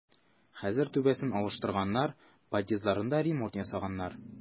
Хәзер түбәсен алыштырганнар, подъездларда ремонт ясаганнар.